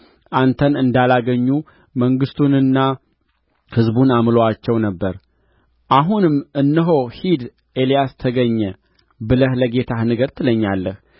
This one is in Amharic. አንተን እንዳላገኙ መንግሥቱንና ሕዝቡን አምሎአቸው ነበር አሁንም እነሆ ሂድ ኤልያስ ተገኘ ብለህ ለጌታህ ንገር ትለኛለህ